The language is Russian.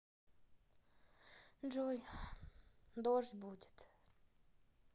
джой дождь будет